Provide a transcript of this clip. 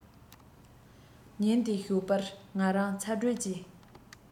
ཉིན དེའི ཞོགས པར ང རང ཚ དྲོད ཀྱིས